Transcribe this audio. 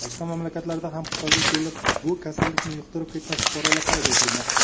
boshqa mamlakatlarda ham xitoyga kelib bu kasallikni yuqtirib ketgan fuqarolar qayd etilmoqda